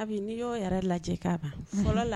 Ami n'i ye o yɛrɛ lajɛ ka ban